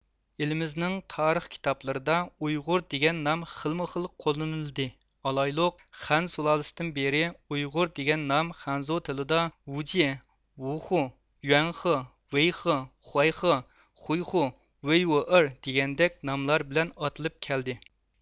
ئېلىمىزنىڭ تارىخ كىتابلىرىدا ئۇيغۇر دېگەن نام خىلمۇ خىل قوللىنىلدى ئالايلۇق خەن سۇلالىسىدىن بېرى ئۇيغۇر دېگەن نام خەنزۇ تىلىدا ۋۇجيې ۋۇخۇ يۈەنخې ۋېيخې خۇيخې خۇيخۇ ۋېيۋۇئېر دېگەندەك ناملار بىلەن ئاتىلىپ كەلدى